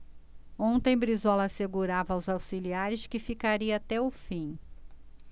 ontem brizola assegurava aos auxiliares que ficaria até o fim